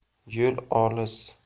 yo'l olis